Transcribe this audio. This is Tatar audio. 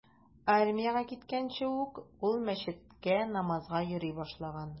Армиягә киткәнче ук ул мәчеткә намазга йөри башлаган.